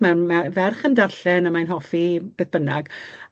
Ma' ma' ferch yn darllen a mae'n hoffi beth bynnag.